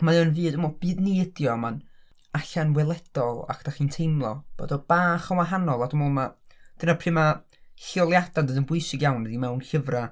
Mae o'n fyd, dwi'n meddwl byd ni ydy a mae'n ella'n weledol. Dach chi'n teimlo bod o bach yn wahanol. Dwi'n meddwl ma'... dyna pryd ma' lleoliadau'n dod yn bwysig iawn i fi mewn llyfra.